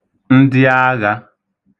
ndịaghā